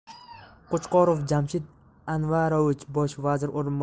qo'chqorov jamshid anvarovich bosh vazir